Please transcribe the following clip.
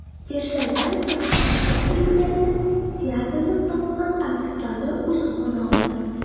Яшьләрдән соң концерт дилбегәсен театрның танылган артистлары үз кулына алды.